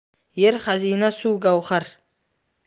yer xazina suv gavhar